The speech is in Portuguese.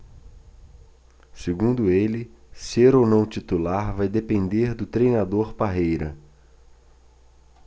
segundo ele ser ou não titular vai depender do treinador parreira